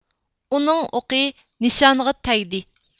ئۇنىڭ ئوقى نىشانغا تەگدى